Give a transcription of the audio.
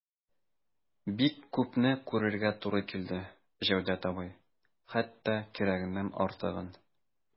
Бик күпне күрергә туры килде, Җәүдәт абый, хәтта кирәгеннән артыгын...